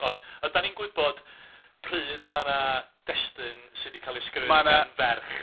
Ond ydan ni'n gwybod pryd mae 'na destun sydd 'di cael ei sgwennu gan ferch?